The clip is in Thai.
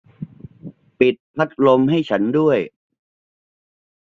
ปิดพัดลมให้ฉันด้วย